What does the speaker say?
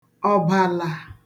ọ̀bàlà